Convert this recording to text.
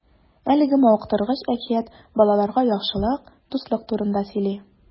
Әлеге мавыктыргыч әкият балаларга яхшылык, дуслык турында сөйли.